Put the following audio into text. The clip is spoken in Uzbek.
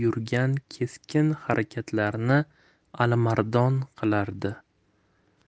yurgan keskin harakatlarni alimardon qilardi